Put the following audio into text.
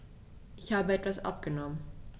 Ich habe etwas abgenommen.